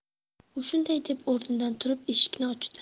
u shunday deb o'rnidan turib eshikni ochdi